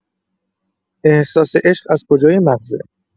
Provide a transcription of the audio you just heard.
احساس عشق از کجای مغزه؟